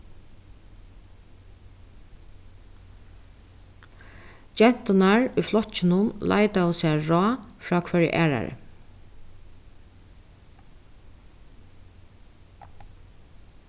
genturnar í flokkinum leitaðu sær ráð frá hvørji aðrari